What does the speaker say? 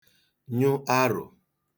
nyụ arụ̀